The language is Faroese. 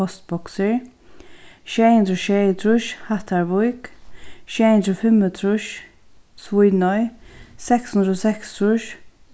postboksir sjey hundrað og sjeyogtrýss hattarvík sjey hundrað og fimmogtrýss svínoy seks hundrað og seksogtrýss